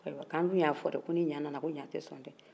ko anw dun y' a fɔ dɛɛ ko ni ɲaa nana ko ɲaa tɛ sɔn dɛɛ